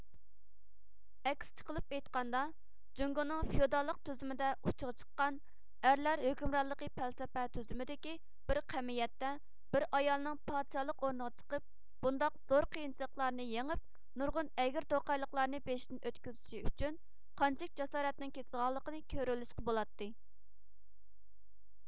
ئەكسىچە قىلىپ ئېيتقاندا جۇڭگۇنىڭ فىئوداللىق تۈزۈمىدە ئۇچچىغا چىققان ئەرلەر ھۆكۈمرانلىقى پەلسەپە تۈزۈمدىكى بىر قەمىيەتتە بىر ئايالنىڭ پادىشالىق ئورنىغا چىقىپ بۇنداق زور قىينچىلىقلارنى يېڭىپ نۇرغۇن ئەگىر توقايلىقلارنى بېشىدىن ئۆتكۈزۈشى ئۈچۈن قانچىلىك جاسارەتنىڭ كېتىدىغانلىقىنى كۆرۈۋېلىشقا بولاتتى